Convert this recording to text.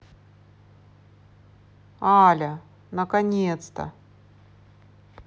аля наконец то